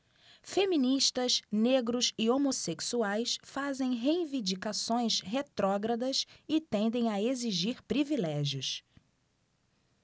feministas negros e homossexuais fazem reivindicações retrógradas e tendem a exigir privilégios